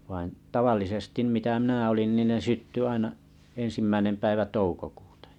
vaan tavallisesti mitä minä olin niin ne syttyi aina ensimmäinen päivä toukokuuta